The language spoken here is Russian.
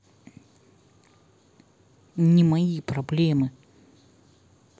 не мои проблемы